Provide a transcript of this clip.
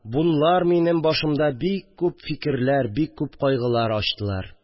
Бунлар минем башымда бик күп фикерләр, бик күп кайгылар ачтылар